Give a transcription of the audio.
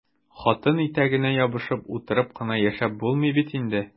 Хатын итәгенә ябышып утырып кына яшәп булмый бит инде!